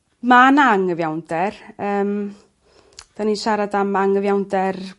Ma' 'na angyfiawnder yym 'dan ni'n siarad am angyfiawnder